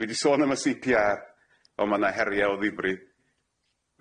Dwi di sôn am y See Pee Are on' ma' 'na herie o ddifri.